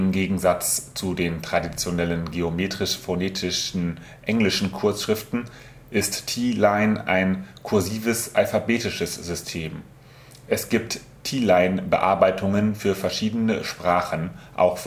Gegensatz zu den traditionellen geometrisch-phonetischen englischen Kurzschriften ist Teeline ein kursives alphabetisches System. Es gibt Teeline-Bearbeitungen für verschiedene Sprachen (auch